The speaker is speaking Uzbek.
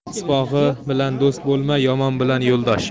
sipohi bilan do'st bo'lma yomon bilan yo'ldosh